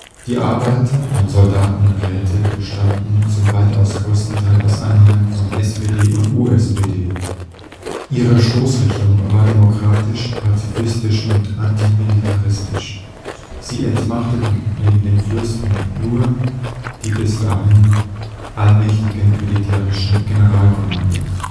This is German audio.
Die Arbeiter - und Soldatenräte bestanden zum weitaus größten Teil aus Anhängern von SPD und USPD. Ihre Stoßrichtung war demokratisch, pazifistisch und antimilitaristisch. Sie entmachteten neben den Fürsten nur die bis dahin allmächtigen militärischen Generalkommandos